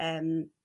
eem